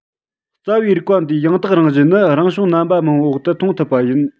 རྩ བའི རིགས པ འདིའི ཡང དག རང བཞིན ནི རང བྱུང རྣམ པ མང པོའི འོག ཏུ མཐོང ཐུབ པ ཡིན